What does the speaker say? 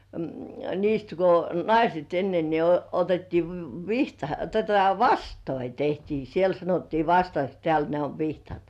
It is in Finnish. niistä kun naiset ennen niin - otettiin - vihta tuota vastoja tehtiin siellä sanottiin vastaksi täällä ne on vihdat